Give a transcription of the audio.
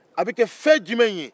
a bɛ kɛ fɛn jumɛn ye